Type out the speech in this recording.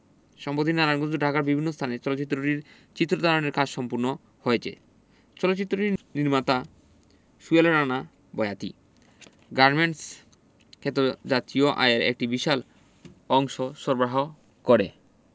সম্পতি নারায়ণগঞ্জ ও ঢাকার বিভিন্ন স্থানে চলচ্চিত্রটির চিত্র ধারণের কাজ সম্পুন্ন হয়েছে চলচ্চিত্রটির নির্মাতা সোহেল রানা বয়াতি গার্মেন্টস ক্ষেত্র জাতীয় আয়ের একটি বিশাল অংশ সরবারহ করে